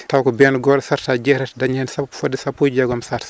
taw ko been goto charette aji jeetati dañi hen saabu fodde sappo jeegom charse